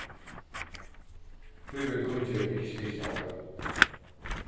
tí verður kunngerðin ikki tikin í álvara